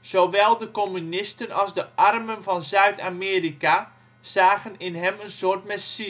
Zowel de communisten als de armen van Zuid-Amerika zagen in hem een soort Messias